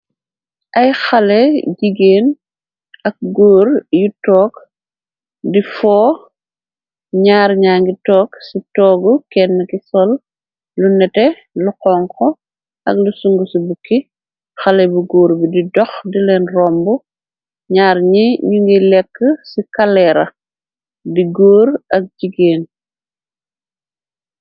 Ay xale jigéen ak góor yu toog di foo ñaar ña ngi toog ci toogu kenn ki sol lu nete lu xonk ak lu sung ci bukki xalé bu góor bi di dox dileen romb ñaar ñi ñu ngiy lekk ci kaleera di góor ak jigéen.